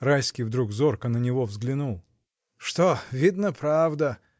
Райский вдруг зорко на него взглянул. — Что, видно, правда!